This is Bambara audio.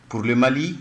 Kma